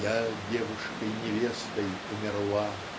"я девушкой-невестой умерла.